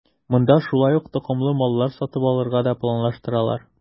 Монда шулай ук токымлы маллар сатып алырга да планлаштыралар.